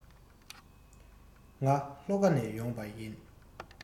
ང ལྷོ ཁ ནས ཡོང པ ཡིན